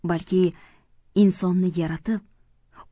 balki insonni yaratib